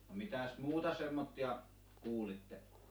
no mitäs muuta semmoisia kuulitte